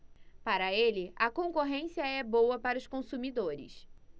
para ele a concorrência é boa para os consumidores